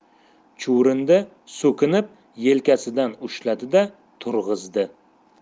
chuvrindi so'kinib yelkasidan ushladi da turg'izdi